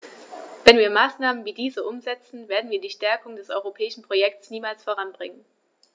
Wenn wir Maßnahmen wie diese umsetzen, werden wir die Stärkung des europäischen Projekts niemals voranbringen.